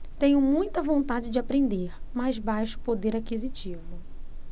tenho muita vontade de aprender mas baixo poder aquisitivo